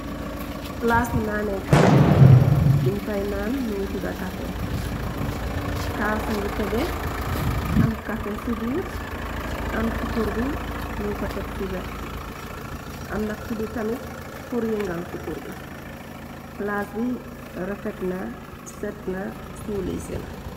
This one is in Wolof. Plaas yi naanee kaay buñu faynaan mungu tudda kafe kaasa ngi tege am kafe ci biir am sukur bi ñun ko teg ci wet bi amna kuddu tamit pur yengaw sukur bi plaas bi refetna setna siiwluy sena.